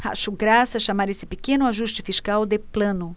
acho graça chamar esse pequeno ajuste fiscal de plano